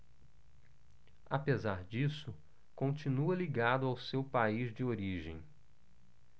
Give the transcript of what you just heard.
apesar disso continua ligado ao seu país de origem